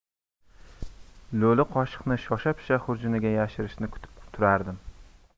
lo'li qoshiqni shosha pisha xurjuniga yashirishini kutib turardim